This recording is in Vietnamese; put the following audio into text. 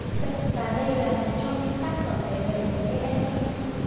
và đây là một trong những tác phẩm để đời của lê anh vân